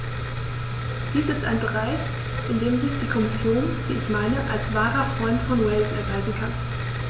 Dies ist ein Bereich, in dem sich die Kommission, wie ich meine, als wahrer Freund von Wales erweisen kann.